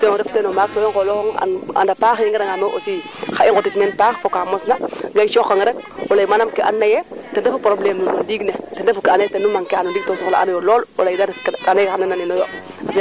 soom yaqatu teen kon ku doonu na taaga ten refu engrais engrais daal refu waa ando na ande o ñaka ngaan rek waagiro ley dara